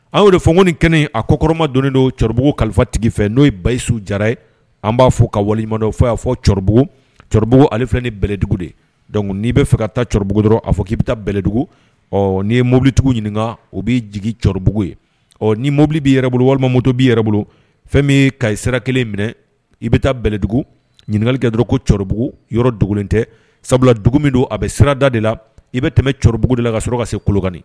A'o de fɔkolon kɛ a ko kɔrɔma don don cɛkɔrɔbabugu kalifa tigi fɛ n'o ye bayisiw jara ye an b'a fɔ ka wali walimadɔ fɔ y'a fɔbugu cɛkɔrɔbabugufi ni bɛlɛdugu de dɔnkuc n'i bɛ fɛ ka taa cɛkɔrɔbabugu dɔrɔn a fɔ k'i bɛ taa bɛlɛdugu ɔ ni ye mobilitigiw ɲininka o b'i jigi cɛkɔrɔbabugu ye ɔ ni mobili b'i yɛrɛbolo walimamusoto b'i yɛrɛbolo fɛn min ka sira kelen minɛ i bɛ taa bɛlɛdugu ɲininkalikɛ dɔrɔn kobugu yɔrɔ dogolen tɛ sabula dugu min don a bɛ sirada de la i bɛ tɛmɛ cɛkɔrɔbabugu de la ka sɔrɔ ka sekani